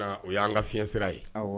Na o y'an ka fiɲɛsira ye awɔ